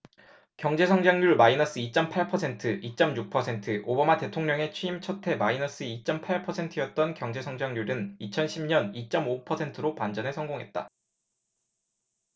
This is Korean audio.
경제성장률 마이너스 이 쩜 팔 퍼센트 이 쩜 육 퍼센트 오바마 대통령의 취임 첫해 마이너스 이 쩜 팔 퍼센트였던 경제 성장률은 이천 십 년 이 쩜 오 퍼센트로 반전에 성공했다